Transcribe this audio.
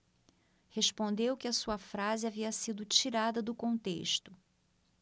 respondeu que a sua frase havia sido tirada do contexto